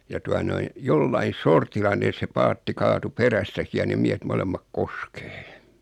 ja tuota noin jollakin sortilla ne se paatti kaatui perästäkin ja ne miehet molemmat koskeen